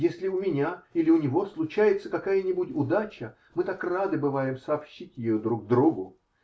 если у меня или у него случается какая-нибудь удача, мы так рады бываем сообщить ее друг другу!